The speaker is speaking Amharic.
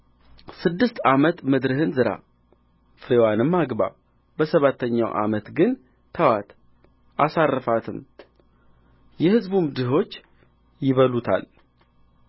ስድስት ዓመት ምድርህን ዝራ ፍሬዋንም አግባ በሰባተኛው ዓመት ግን ተዋት አሳርፋትም የሕዝብህም ድሆች ይበሉታል